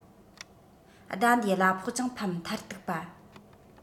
ཟླ འདིའི གླ ཕོགས ཀྱང ཕམ མཐར ཐུག པ